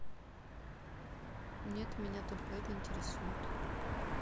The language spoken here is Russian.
нет меня только это интересует